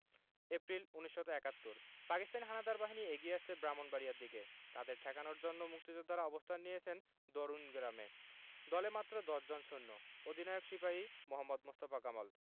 April ১৯৭১ Pakistani হানাদার বাহিনী এগিয়ে আসছে ব্রাহ্মনবাড়িয়ার দিকে তাদের ঠেকানোর জন্য মুক্তিযোদ্ধারা অবস্থান নিয়েছেন দরুইন গ্রামে দলে মাত্র দশজন সৈন্য অধিনায়ক সিপাহি মোহাম্মদ মোস্তফা কামাল